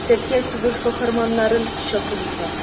Мәктәпкә сугыш каһарманнарын чакырырга.